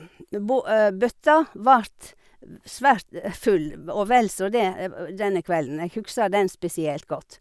me bå Bøtta vart v svært full, v og vel så det, ev og denne kvelden, jeg husker den spesielt godt.